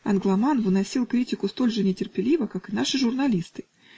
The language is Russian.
Англоман выносил критику столь же нетерпеливо, как и наши журналисты.